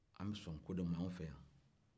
an bɛ sɔn ko dɔ man anw fɛ yan